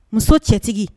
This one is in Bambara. Muso cɛtigi